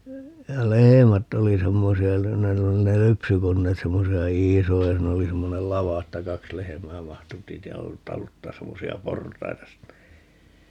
ja lehmät oli semmoisia kun ne ne oli ne lypsykoneet semmoisia isoja siinä oli semmoinen lava että kaksi lehmää mahtui - taluttaa semmoisia portaita sinne